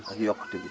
ak yokkute bi